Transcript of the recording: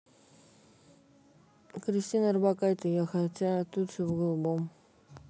кристина орбакайте а хотя тучи в голубом